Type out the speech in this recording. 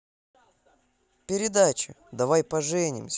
передача давай поженимся